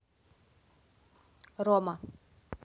рома